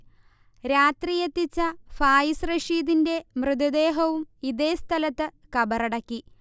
രാത്രി എത്തിച്ച ഫായിസ് റഷീദിന്റെ മൃതദേഹവും ഇതേസ്ഥലത്ത് കബറടക്കി